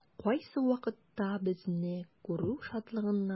Кайсы вакытта безне күрү шатлыгыннан уйнаклап чабып та китә.